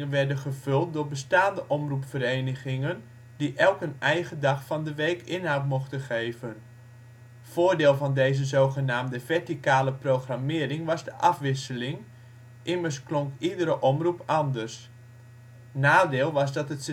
werden gevuld door bestaande omroepverenigingen, die elk een eigen dag van de week inhoud mochten geven. Voordeel van deze zogenaamde verticale programmering was de afwisseling, immers klonk iedere omroep anders. Nadeel was dat het